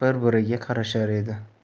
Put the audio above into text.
bir biriga qarashar edi